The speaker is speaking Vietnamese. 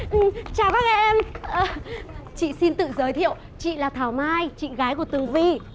chào các em chị xin tự giới thiệu chị là thảo mai chị gái của tường vi